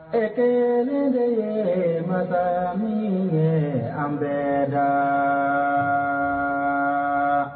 Ɛ le ye mamini an bɛ la